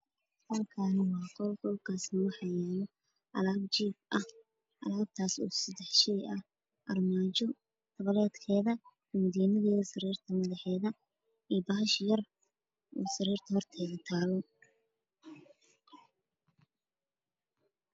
Halkan waa qol waxaa yaalo sariir armaajo iyo labo kooban diin iyo bahal sariirta hortaalo oo yar